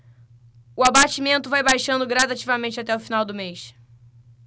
o abatimento vai baixando gradativamente até o final do mês